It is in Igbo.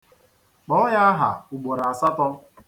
Kpọọ ya aha ugboro asatọ.